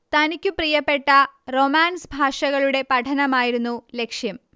തനിക്ക് പ്രിയപ്പെട്ട റൊമാൻസ് ഭാഷകളുടെ പഠനമായിരുന്നു ലക്ഷ്യം